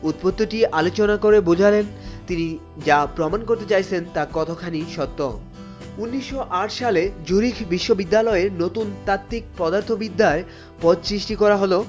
উৎপত্তি টি আলোচনা করে বোঝালেন তিনি যা প্রমাণ করতে চাইছেন তা কতখানি সত্য ১৯০৮ সালে জুরিখ বিশ্ববিদ্যালয় নতুন তাত্ত্বিক পদার্থবিদ্যা পদ সৃষ্টি করা হলো